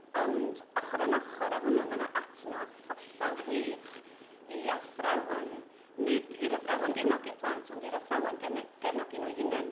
Ond, ochr yn ochr â hwnnw, mae 'na adnodd hollol wych i athrawon, nid i'r athrawon gefnogi'r plant, ond i'r athrawon gefne- gefnogi nhw eu hunain.